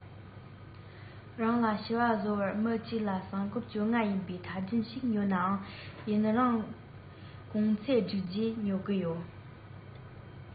རང ལ ཕྱུ པ བཟོ བར སྨི གཅིག ལ ཟངས སྒོར བཅོ ལྔ ཡིན པའི མཐའ རྒྱན ཞིག ཉོ ནའང ཡུན རིང གོང ཚད སྒྲིག རྗེས ཉོ གི ཡོད